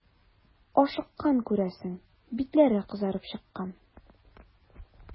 Ашыккан, күрәсең, битләре кызарып чыккан.